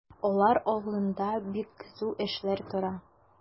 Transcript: Алар алдында бик кызу эшләр тора.